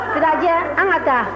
sirajɛ an ka taa